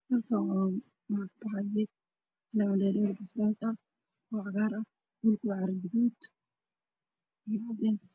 Waa geed cagaaran oo baxayo dhulka ayuu ka baxay